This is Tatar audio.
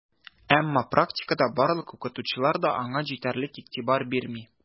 Әмма практикада барлык укытучылар да аңа җитәрлек игътибар бирми: